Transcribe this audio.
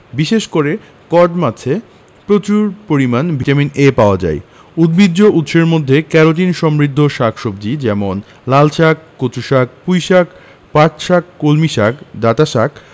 বিশেষ করে কড মাছে প্রচুর পরিমান ভিটামিন A পাওয়া যায় উদ্ভিজ্জ উৎসের মধ্যে ক্যারোটিন সমৃদ্ধ শাক সবজি যেমন লালশাক কচুশাক পুঁইশাক পাটশাক কলমিশাক ডাঁটাশাক